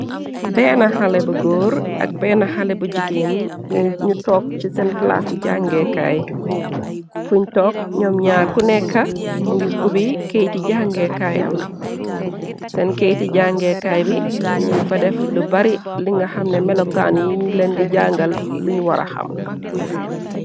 Benn xale bu góor ak benn xale bu jigeen ñu tok ci seen plaas i jàngeekaay fuñ took ñoom ñaar ku nekka mu ngi ubi keyti jangee kaay ambi seen keyti jangeekaay bi ñung fa def lu bari li nga xamne melokaan yi lendi jangal luñu wara xam na.